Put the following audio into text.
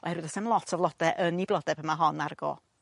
oherwydd o's 'am lot o flode yn 'u blode pan ma' hon ar y go.